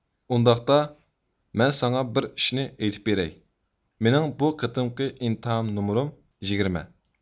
ئۇنداقتا مەن ساڭا بىر ئىشنى ئېيتىپ بېرەي مېنىڭ بۇ قېتىمقى ئىمتىھان نومۇرۇم يىگىرمە